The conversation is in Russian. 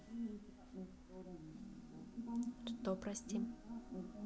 что прости